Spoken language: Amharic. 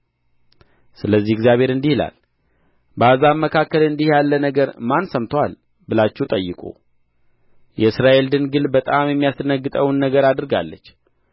ስለዚህ እግዚአብሔር እንዲህ ይላል በአሕዛብ መካከል እንዲህ ያለ ነገር ማን ሰምቶአል ብላችሁ ጠይቁ የእስራኤል ድንግል በጣም የሚያስደነግጠውን ነገር አድርጋለች